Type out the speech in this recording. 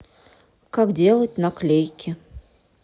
как делать наклейки